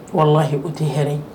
Wallahi o tɛ hɛrɛ ye